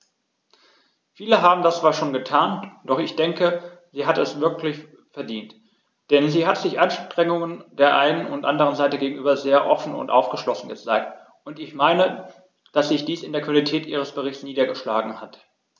Viele haben das zwar schon getan, doch ich denke, sie hat es wirklich verdient, denn sie hat sich Anregungen der einen und anderen Seite gegenüber sehr offen und aufgeschlossen gezeigt, und ich meine, dass sich dies in der Qualität ihres Berichts niedergeschlagen hat.